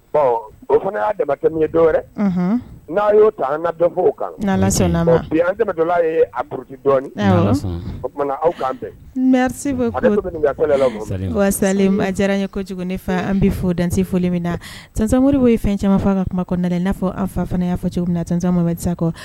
Ɔ o y'a ye dɔw n'a yo an dɔn fɔ kan bi o tuma awan sa ma diyara n ye ko kojugu ne fa an bɛ fɔ dan foli min na sansanmori bɛ ye fɛn camanfa ka kuma kɔnɔna naɛ dɛ n'a fɔ aw fa fana y'a fɔ cɛ na sansan ma bɛ sa kɔ